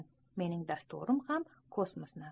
mening dasturim ham kosmosni